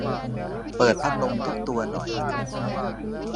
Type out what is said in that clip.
เปิดพัดลมทุกตัวหน่อย